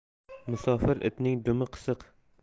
musofir itning dumi qisiq